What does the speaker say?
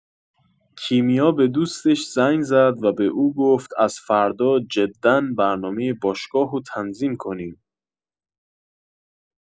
کیمیا به دوستش زنگ زد و به او گفت از فردا جدا برنامۀ باشگاهو تنظیم کنیم